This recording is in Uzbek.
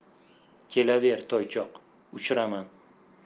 kelaver toychoq uchiraman